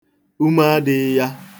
Ume adịghị ya.